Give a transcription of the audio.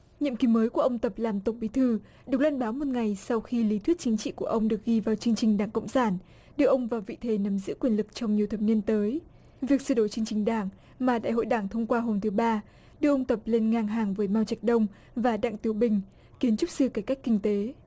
nhiệm kỳ mới của ông tập làm tổng bí thư được loan báo một ngày sau khi lý thuyết chính trị của ông được ghi vào chương trình đảng cộng sản đưa ông vào vị thế nắm giữ quyền lực trong nhiều thập niên tới việc sửa đổi trình trình đảng mà đại hội đảng thông qua hôm thứ ba đưa ông tập lên ngang hàng với mao trạch đông và đặng tiểu bình kiến trúc sư cải cách kinh tế